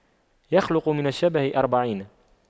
يخلق من الشبه أربعين